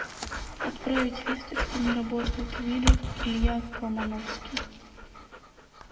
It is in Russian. отправить весточку не работает виджет илья колмановский